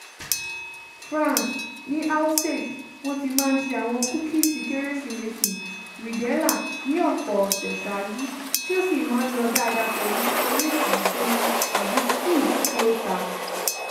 France – Ní Alsace wọ́n ti máa ń ṣe àwọn kúkìsì Kérésìmesì, bredela, ní ọ̀pọ̀ ọ̀sẹ̀ ṣáájú tí ó sì máa ń lọ dáadáa pẹ̀lú ṣokoléètì gbígbóná àbí tíì tí ó ta.